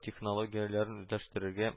Технологияләрен үзләштерергә